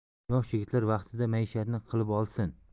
yosh yigitlar vaqtida maishatini qilib olsin